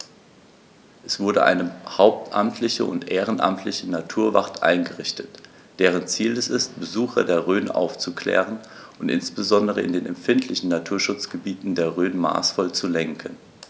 Es wurde eine hauptamtliche und ehrenamtliche Naturwacht eingerichtet, deren Ziel es ist, Besucher der Rhön aufzuklären und insbesondere in den empfindlichen Naturschutzgebieten der Rhön maßvoll zu lenken.